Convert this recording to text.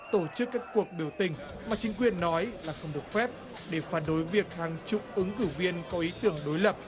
tổ chức các cuộc biểu tình mà chính quyền nói là không được phép để phản đối việc hàng chục ứng cử viên có ý tưởng đối lập